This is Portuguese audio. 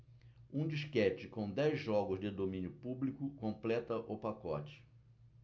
um disquete com dez jogos de domínio público completa o pacote